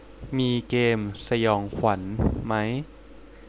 มีเกมสยองขวัญไหม